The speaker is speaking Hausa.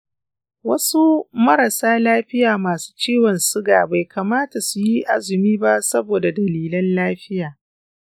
wasu marasa lafiya masu ciwon suga bai kamata su yi azumi ba saboda dalilan lafiya.